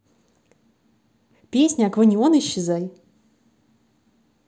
песня aquaneon исчезай